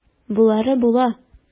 Болары була.